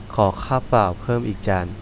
ขอข้าวเปล่่าเพิ่มอีกจาน